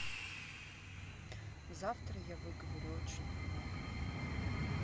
завтра я выговорю очень много